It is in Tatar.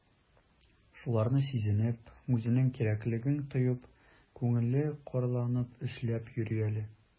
Шуларны сизенеп, үзенең кирәклеген тоеп, күңеле кырланып эшләп йөри әле...